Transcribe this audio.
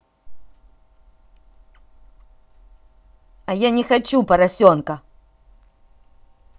а я не хочу поросенка